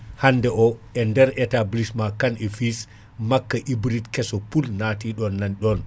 hande o e nder établissement Kane et fils makka hébride kesso puul nati ɗon nanɗon